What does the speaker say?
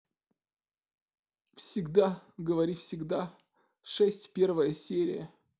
всегда говори всегда шесть первая серия